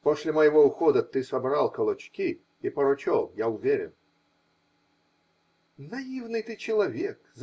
После моего ухода ты собрал клочки и прочел. Я уверен. -- Наивный ты человек.